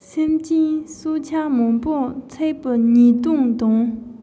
སེམས ཅན སྲོག ཆགས མང པོ འཚིགས པའི ཉེས ལྟུང དང